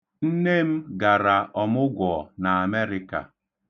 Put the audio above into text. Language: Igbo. Nne m gara ọmụgwọ n'Amerịka.